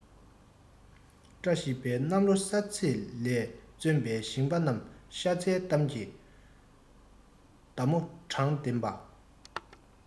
བཀྲ ཤིས པའི གནམ ལོ གསར ཚེས ལས ལ བརྩོན པའི ཞིང པ རྣམས ཤ ཚའི གཏམ གྱི མདའ མོ དྲང བདེན མ